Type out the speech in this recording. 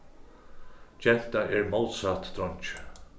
genta er mótsatt dreingi